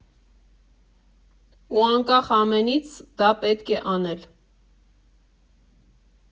Ու անկախ ամենից դա պետք է անել։